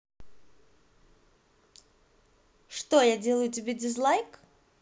что я делаю тебе дизлайк